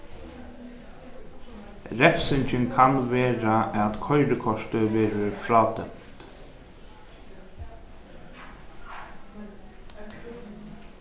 revsingin kann vera at koyrikortið verður frádømt